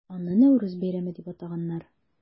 Аны Нәүрүз бәйрәме дип атаганнар.